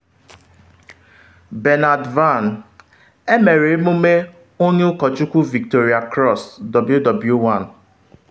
Bernard Vann: Emere emume onye ụkọchukwu Victoria Cross WW1